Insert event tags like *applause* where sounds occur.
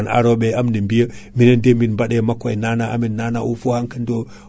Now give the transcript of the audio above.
*noise* sa wi kiloji nayyi awdi non ina ghime e muudo awdi